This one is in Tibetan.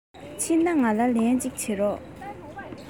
ཕྱིན ན ང ལ ལན བྱིན རོགས